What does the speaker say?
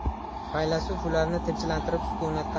faylasuf ularni tinchlantirib sukunatda